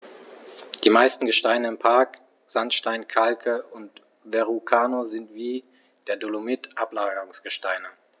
Die meisten Gesteine im Park – Sandsteine, Kalke und Verrucano – sind wie der Dolomit Ablagerungsgesteine.